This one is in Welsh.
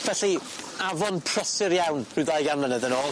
Felly, afon prosir iawn ryw ddau gan mlynedd yn ôl.